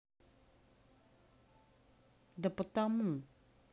да потому